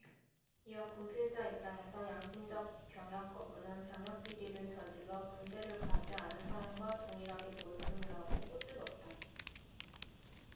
이어 군필자 입장에서 양심적 병역거부는 병역비리를 저질러 군대를 가지 않은 사람과 동일하게 보일 뿐이라고 꼬집었다